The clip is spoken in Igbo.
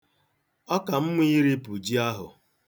Ọ ka mma iripụ ji ahụ.